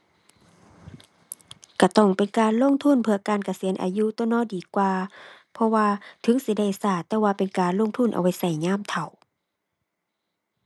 ก็ต้องเป็นการลงทุนเพื่อการเกษียณอายุตั่วเนาะดีกว่า เพราะว่าถึงสิได้ก็แต่ว่าเป็นการลงทุนเอาไว้ก็ยามเฒ่า